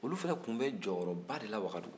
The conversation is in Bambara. olu fana tun bɛ jɔyɔrɔba de la wagadugu